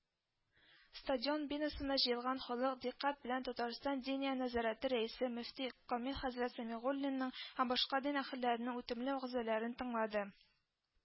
Стадион бинасына җыелган халык диккать белән Татарстан Диния нәзарәте рәисе, мөфти Камил хәзрәт Сәмигуллинның һәм башка дин әһелләренең үтемле вәгъзәләрен тыңлады